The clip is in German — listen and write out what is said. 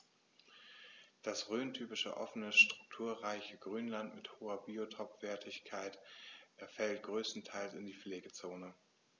Das rhöntypische offene, strukturreiche Grünland mit hoher Biotopwertigkeit fällt größtenteils in die Pflegezone.